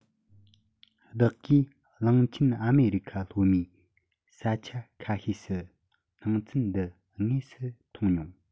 བདག གིས གླིང ཆེན ཨ མེ རི ཁ ལྷོ མའི ས ཆ ཁ ཤས སུ སྣང ཚུལ འདི དངོས གནས མཐོང མྱོང